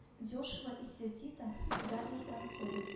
Дешево и сердито с дарьей донцовой